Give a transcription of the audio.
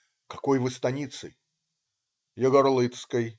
- "Какой вы станицы?" - "Егорлыцкой".